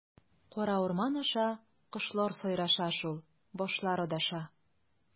Кара урман аша, кошлар сайраша шул, башлар адаша.